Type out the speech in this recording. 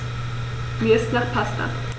Mir ist nach Pasta.